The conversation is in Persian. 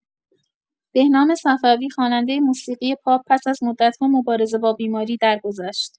بهنام صفوی خواننده موسیقی پاپ پس از مدت‌ها مبارزه با بیماری، درگذشت.